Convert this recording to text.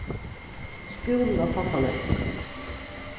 skúlin á fossánesi